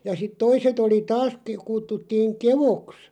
ja sitten toiset oli taas - kutsuttiin keoksi